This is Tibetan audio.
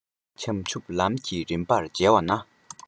བྱང ཆུབ ལམ གྱི རིམ པར མཇལ བ ན